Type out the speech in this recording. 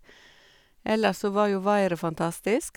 Ellers så var jo været fantastisk.